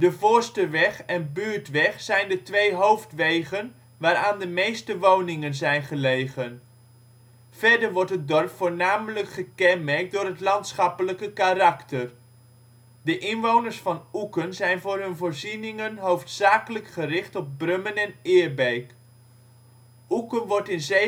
Voorsterweg en Buurtweg zijn de twee hoofdwegen waaraan de meeste woningen zijn gelegen. Verder wordt het dorp voornamelijk gekenmerkt door het landschappelijke karakter. De inwoners van Oeken zijn voor hun voorzieningen hoofdzakelijk gericht op Brummen en Eerbeek. Voormalige Openbare Lagere School van Oeken. Oeken wordt in 797